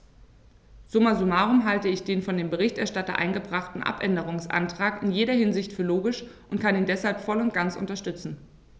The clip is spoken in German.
Summa summarum halte ich den von dem Berichterstatter eingebrachten Abänderungsantrag in jeder Hinsicht für logisch und kann ihn deshalb voll und ganz unterstützen.